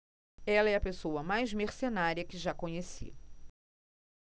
ela é a pessoa mais mercenária que já conheci